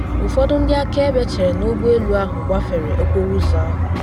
Ụfọdụ ndị akaebe chere na ụgbọ elu ahụ gbafere okporo ụzọ ahụ.